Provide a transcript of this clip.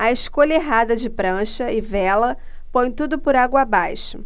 a escolha errada de prancha e vela põe tudo por água abaixo